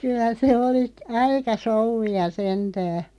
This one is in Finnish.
kyllä se oli aika souvia sentään